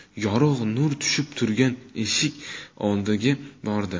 yorug' nur tushib turgan eshik oldiga bordi